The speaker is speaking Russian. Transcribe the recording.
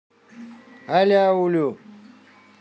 аля улю